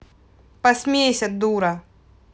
посмейся дура